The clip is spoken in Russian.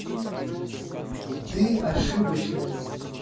ты ошибочная